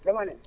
da ma ne